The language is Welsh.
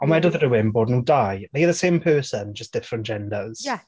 Ond dywedodd rhywun bod nhw dau, they are the same person, just different genders.... Ie!